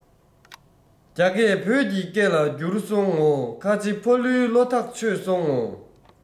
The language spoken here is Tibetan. རྒྱ སྐད བོད ཀྱི སྐད ལ འགྱུར སོང ངོ ཁ ཆེ ཕ ལུའི བློ ཐག ཆོད སོང ངོ